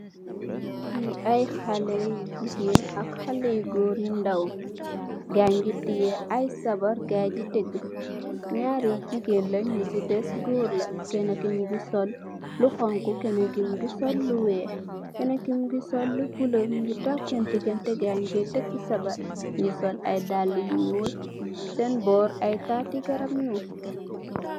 Li ay xale yu jigeen ak xale yu goor yu ndaw gaayi tiyex ay sabar gaay di tega naari jigeen len nyosi dess goor la kena Kee mongi sol lu xonxu kena mongi sol lu weex kena ki mongi sol lu bulu mongi tog sen digente gaayi tega sabar ñyungi so ay daal yu nuul sen borr ay tati garab mung fa.